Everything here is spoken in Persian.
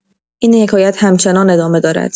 این حکایت هم‌چنان ادامه دارد.